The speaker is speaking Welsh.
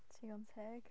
Digon teg.